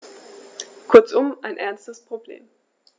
Kurzum, ein ernstes Problem.